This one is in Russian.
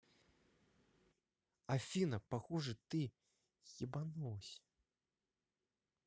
афина похоже ты ебанулась